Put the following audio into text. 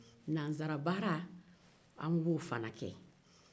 nansarabaara an b'o fana kɛ